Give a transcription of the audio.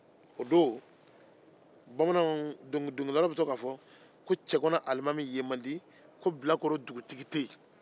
o don bamaanw dɔnkilidala bɛ yaala k'a fɔ ko cɛgana alimami ye man di ko bilakoro dugutigi tɛ yen